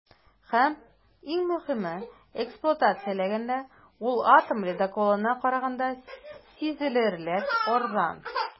Һәм, иң мөһиме, эксплуатацияләгәндә ул атом ледоколына караганда сизелерлек арзан.